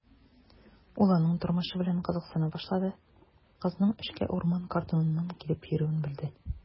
Ул аның тормышы белән кызыксына башлады, кызның эшкә урман кордоныннан килеп йөрүен белде.